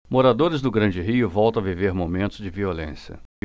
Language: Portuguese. moradores do grande rio voltam a viver momentos de violência